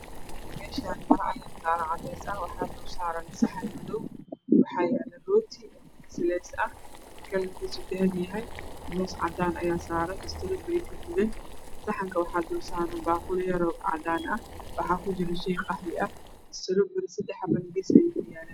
Meeshan maro ayaa taala cadees ah waxa dul saaran saxan madoow waxaa yaala rooti islees ah kalarkiisu dahabi yahay moos cadaan ayaa saaran istorobori kujira saxanka waxaa dul saaran baaquli yaroo cadaan ah waxaa kujiraan shey qaxwi ah istorobori gaduudan seddex xabona gees ayuu ka yaala